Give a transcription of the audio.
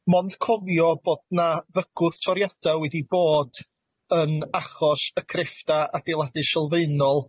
Mond cofio bod 'na fygwth toriada' wedi bod yn achos y creffta' adeiladu sylfaenol.